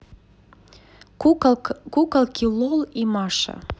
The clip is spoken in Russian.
куколки лол и маша